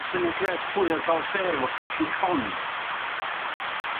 A syniad grêt pwy oedd ca'l affêr efo ffycin con.